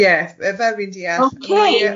Ie fel fi'n diall... Ocê.